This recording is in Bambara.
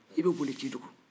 i b'i boli k'i dogo